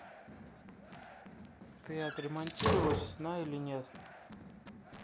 ты отремонтировалась на или нет